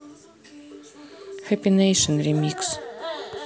хэппи нейшн ремикс